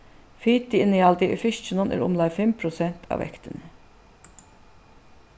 fitiinnihaldið í fiskinum er umleið fimm prosent av vektini